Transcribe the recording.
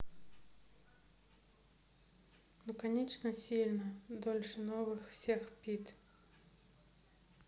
ну конечно сильно дольше новых всех пит